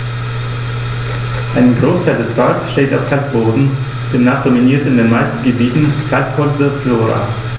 Ein Großteil des Parks steht auf Kalkboden, demnach dominiert in den meisten Gebieten kalkholde Flora.